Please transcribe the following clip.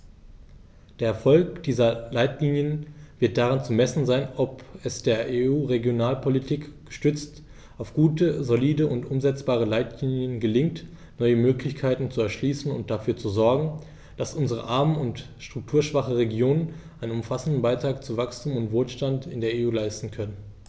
Der Erfolg dieser Leitlinien wird daran zu messen sein, ob es der EU-Regionalpolitik, gestützt auf gute, solide und umsetzbare Leitlinien, gelingt, neue Möglichkeiten zu erschließen und dafür zu sorgen, dass unsere armen und strukturschwachen Regionen einen umfassenden Beitrag zu Wachstum und Wohlstand in der EU leisten können.